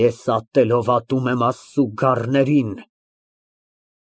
Ես ատելով ատում եմ Աստծու գառներին։